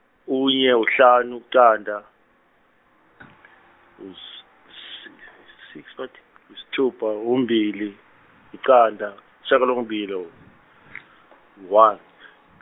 kunye kuhlanu iqanda isithupha kubili iqanda isishiyagalombili one.